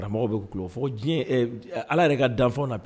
Karamɔgɔ bɛ' fɔ diɲɛ ala yɛrɛ ka dan